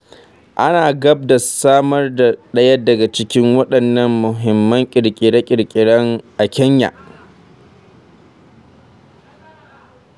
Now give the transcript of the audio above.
Ana gab da samar da ɗaya daga cikin waɗannan muhimman ƙirƙire-ƙirƙiren a Kenya.